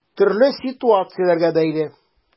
Төрле ситуацияләргә бәйле.